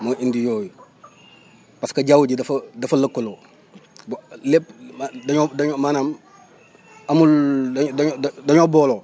mooy indi yooyu parce que jaww ji dafa daf lëkkaloo bu lépp dañoo dañoo maanaam amul da(à da dañoo booloo